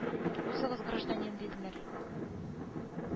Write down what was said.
Узыгыз гражданин диделәр